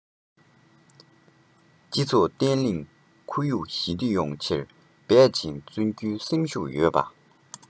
སྤྱི ཚོགས བརྟན ལྷིང ཁོར ཡུག ཞི བདེ ཡོང ཕྱིར འབད ཅིང བརྩོན རྒྱུའི སེམས ཤུགས ཡོད པ